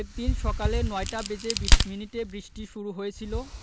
একদিন সকালে ৯টা বেজে ২০ মিনিটে বৃষ্টি শুরু হয়েছিল